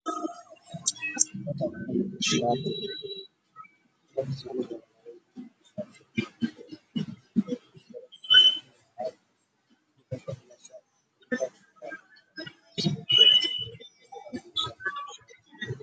Waa boombalo Ugu jiro shaati buluug ah